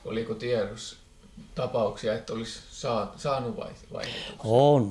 oliko tiedossa tapauksia että olisi saanut vaihdetuksi